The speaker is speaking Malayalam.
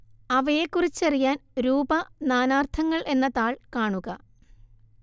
അവയെക്കുറിച്ചറിയാൻ രൂപ നാനാർത്ഥങ്ങൾ എന്ന താൾ കാണുക